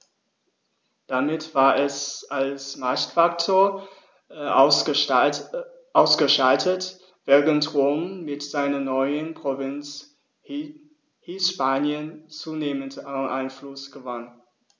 Damit war es als Machtfaktor ausgeschaltet, während Rom mit seiner neuen Provinz Hispanien zunehmend an Einfluss gewann.